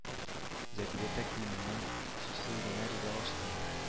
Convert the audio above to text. Зәбидә тәкъдимемә сүзсез генә ризалашты